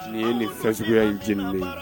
Nin ye de fɛsigiya in j de ye